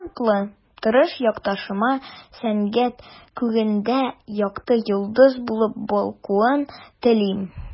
Талантлы, тырыш якташыма сәнгать күгендә якты йолдыз булып балкуын телим.